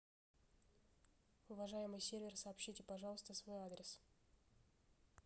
уважаемый сервер сообщите пожалуйста свой адрес